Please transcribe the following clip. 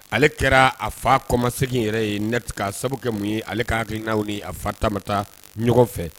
Ale kɛra a fa kɔmasegin yɛrɛ ye neti ka sababu mun ye ale kadi ninaaw ni a fa taama taa ɲɔgɔn fɛ